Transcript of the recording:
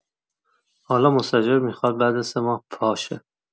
حالا مستاجر می‌خواد بعد از ۳ ماه پاشه.